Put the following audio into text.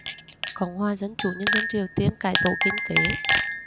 cộng hòa dân chủ nhân dân triều tiên cải tổ kinh tế